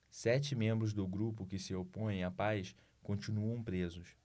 sete membros do grupo que se opõe à paz continuam presos